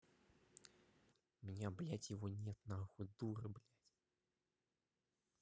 у меня блядь его нету нахуй дура блять